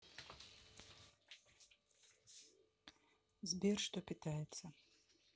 сбер что питается